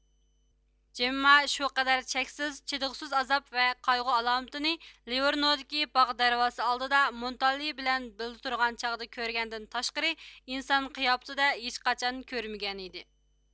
جېمما شۇ قەدەر چەكسىز چىدىغۇسىز ئازاب ۋە قايغۇ ئالامىتىنى لىۋورنودىكى باغ دەرۋازىسى ئالدىدا مونتانېللى بىلەن بىللە تۇرغان چاغدا كۆرگەندىن تاشقىرى ئىنسان قىياپىتىدە ھېچقاچان كۆرمىگەنىدى